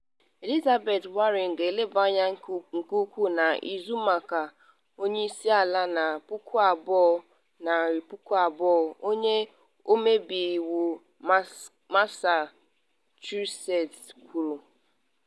Elizabeth Warren “Ga-elebe Anya Nke Ukwuu” Na Ịzọ Maka Onye Isi Ala na 2020, Onye Ọmebe Iwu Massachusetts Kwuru